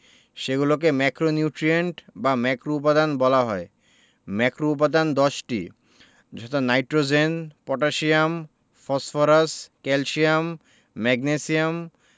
সেগুলোকে ম্যাক্রোনিউট্রিয়েন্ট বা ম্যাক্রোউপাদান বলা হয় ম্যাক্রোউপাদান ১.০ টি যথা nitrogen potassium phosphorus calcium magnesium